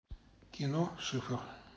кино шифр